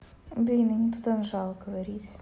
блин я не туда нажала говорить